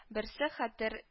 Берсе - Хәтер